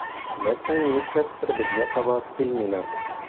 Ләкин нишләптер безгә таба килмиләр.